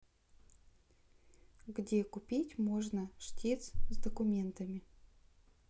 где купить можно штиць с документами